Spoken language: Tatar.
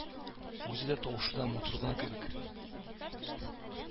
Үзе дә, тавышы да матур гына кебек